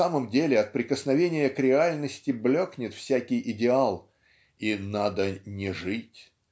в самом деле от прикосновения к реальности блекнет всякий идеал и "надо не жить